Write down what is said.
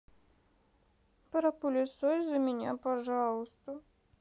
прополисось за меня пожалуйста